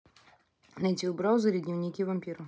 найди в браузере дневники вампира